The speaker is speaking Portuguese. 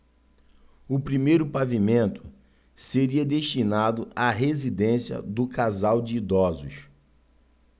o primeiro pavimento seria destinado à residência do casal de idosos